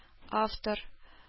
Автор